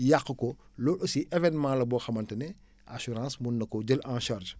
yàq ko loolu aussi événement la boo xamante ne assurance mun na ko jël en charge